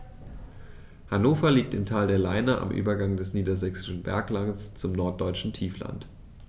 Hannover liegt im Tal der Leine am Übergang des Niedersächsischen Berglands zum Norddeutschen Tiefland.